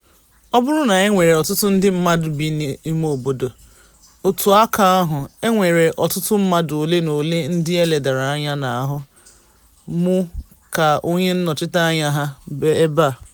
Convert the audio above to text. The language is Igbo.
Ọ bụrụ na e nwere ọtụtụ ndị mmadụ bi n'imeobodo, n'otu aka ahụ, e nwere ọtụtụ mmadụ ole na ole ndị e ledara anya na-ahụ mụ ka onye nnọchiteanya ha ebe a.